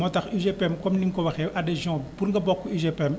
moo tax UGPM comme nim ko waxee adhesion bi pour nga bokk UGPM